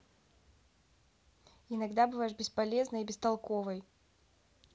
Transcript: иногда бываешь бесполезной и бестолковой